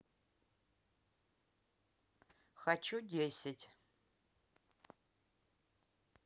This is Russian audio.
хочу десять